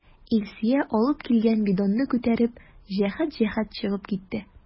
Илсөя алып килгән бидонны күтәреп, җәһәт-җәһәт чыгып китте.